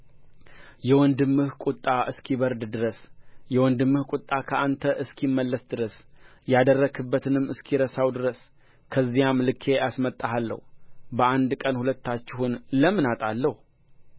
የወንድምህ ቍጣ እስኪበርድ ድረስ የወንድምህ ቍጣ ከአንተ እስኪመለስ ድረስ ያደረግህበትንም እስኪረሳው ድረስ ከዚያም ልኬ አስመጣሃለሁ በአንድ ቀን ሁለታችሁን ለምን አጣለሁ